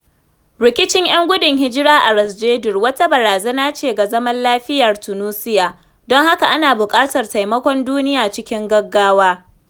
rikicin 'yan gudun hijira a ras jdir wata barazana ce ga zaman lafiyar Tunusia, don haka ana buƙatar taimakon duniya cikin gaggawa.